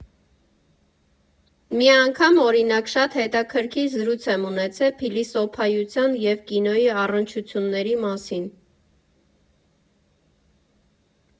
Մի անգամ, օրինակ, շատ հետաքրքիր զրույց եմ ունեցել փիլիսոփայության և կրոնի առնչությունների մասին։